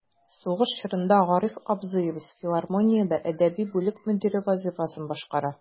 Сугыш чорында Гариф абзыебыз филармониядә әдәби бүлек мөдире вазыйфасын башкара.